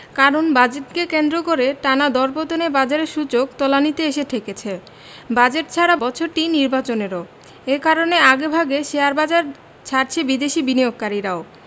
কারণ বাজেটকে কেন্দ্র করে টানা দরপতনে বাজারের সূচক তলানিতে এসে ঠেকেছে বাজেট ছাড়া বছরটি নির্বাচনেরও এ কারণে আগেভাগে শেয়ারবাজার ছাড়ছে বিদেশি বিনিয়োগকারীরাও